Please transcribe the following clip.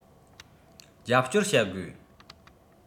རྒྱབ སྐྱོར བྱ དགོས